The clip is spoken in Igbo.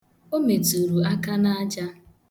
O meturu aka n' aja.